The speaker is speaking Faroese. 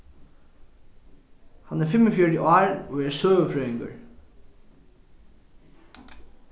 hann er fimmogfjøruti ár og er søgufrøðingur